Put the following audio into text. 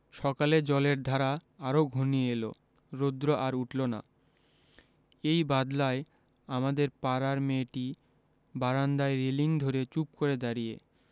সকালে জলের ধারা আরো ঘনিয়ে এল রোদ্র আর উঠল না এই বাদলায় আমাদের পাড়ার মেয়েটি বারান্দায় রেলিঙ ধরে চুপ করে দাঁড়িয়ে